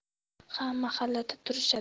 shu mahallada turishadi